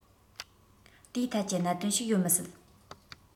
དེའི ཐད ཀྱི གནད དོན ཞིག ཡོད མི སྲིད